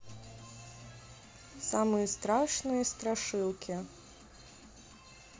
самые страшные страшилки